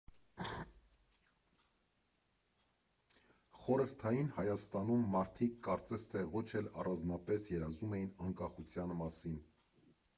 Խորհրդային Հայաստանում մարդիկ կարծես թե ոչ էլ առանձնապես երազում էին անկախության մասին։